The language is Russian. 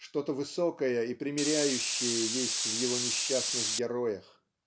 что-то высокое и примиряющее есть в его несчастных героях.